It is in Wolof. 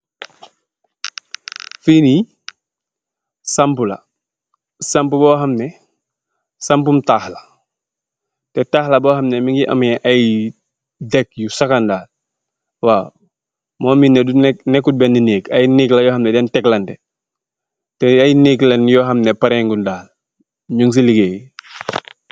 Lii nii, sampu la, sampu boo xam ne, si waalum taax la.taax la boo xam ne am na dek yu sakkan daal. Waaw, moo miin ne, nekkut béénë nëëk, dañge leen teklaante, të ay nëëk lañge Yoon xam ne paréé guñge, daal. Ñung si ligeey bi.